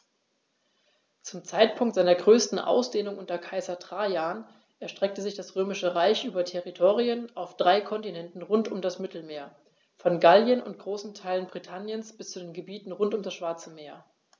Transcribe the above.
Zum Zeitpunkt seiner größten Ausdehnung unter Kaiser Trajan erstreckte sich das Römische Reich über Territorien auf drei Kontinenten rund um das Mittelmeer: Von Gallien und großen Teilen Britanniens bis zu den Gebieten rund um das Schwarze Meer.